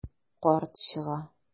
Карт чыга.